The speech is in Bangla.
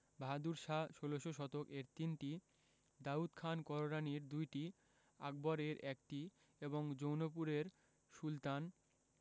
বাহাদুর শাহ ১৬শ শতক এর তিনটি দাউদ খান কররানীর দুইটি আকবর এর একটি এবং জৌনপুরের সুলতান